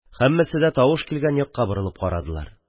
Һәммәсе дә тавыш килгән якка борылып карадылар.